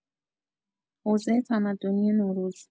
حوزه تمدنی نوروز